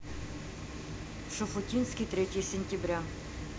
шуфутинский третье сентября